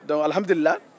donke alimudulila